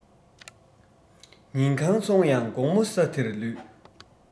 ཉིན གང སོང ཡང དགོང མོ ས དེར ལུས